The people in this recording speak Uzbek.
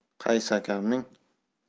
qaysi akamning